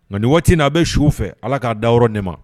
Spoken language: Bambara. Ŋa nin waati in n'a bɛ suu fɛ Ala k'a dayɔrɔ nɛɛma